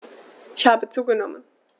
Ich habe zugenommen.